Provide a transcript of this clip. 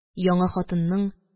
Яңа хатынның: